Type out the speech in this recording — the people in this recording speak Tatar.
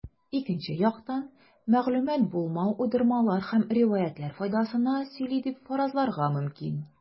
Икенче яктан, мәгълүмат булмау уйдырмалар һәм риваятьләр файдасына сөйли дип фаразларга мөмкин.